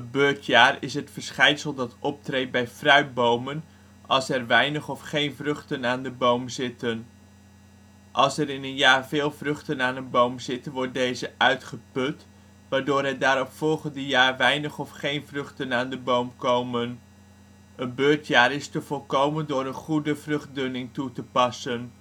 beurtjaar is het verschijnsel dat optreedt bij fruitbomen als er weinig of geen vruchten aan de boom zitten. Als er in een jaar veel vruchten aan een boom zitten wordt deze uitgeput waardoor het daarop volgende jaar weinig of geen vruchten aan de boom komen. Een beurtjaar is te voorkomen door een goede vruchtdunning toe te passen